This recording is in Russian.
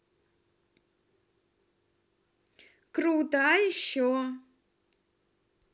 круто а еще